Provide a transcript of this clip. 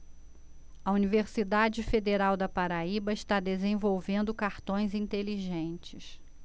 a universidade federal da paraíba está desenvolvendo cartões inteligentes